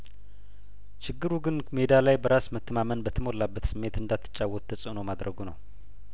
ችግሩ ግን ሜዳ ላይ በራስ መተማመን በተሞላበት ስሜት እንዳትጫወት ተጽእኖ ማድረጉ ነው